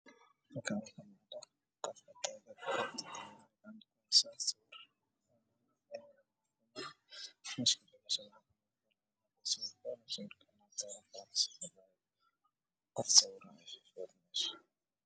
Waa gabar sawir farshaxan